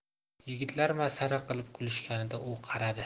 yigitlar masxara qilib kulishganida u qaradi